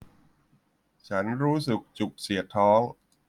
ฉันรู้สึกจุกเสียดท้อง